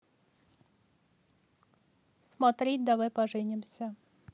смотреть давай поженимся